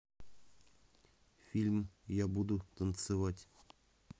фильм я буду танцевать